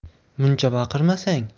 muncha baqirmasang